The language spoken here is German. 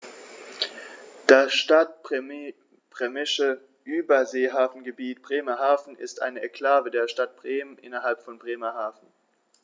Das Stadtbremische Überseehafengebiet Bremerhaven ist eine Exklave der Stadt Bremen innerhalb von Bremerhaven.